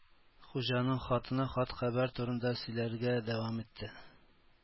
Хуҗаның хатыны хат-хәбәр турында сөйләргә дәвам итте